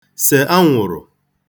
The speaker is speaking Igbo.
sè anwụ̀rụ̀